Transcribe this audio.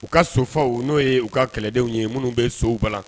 U ka sofaw n'o ye u ka kɛlɛdenw ye minnu bɛ sow ban